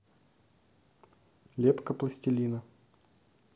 лепка пластилина